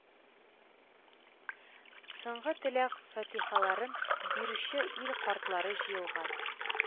Соңгы теләк-фатихаларын бирүче ил картлары җыелган